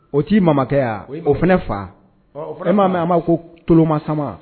O t'i mamakɛ yan o fana fa e m'a mɛn an b'a ko tulomasa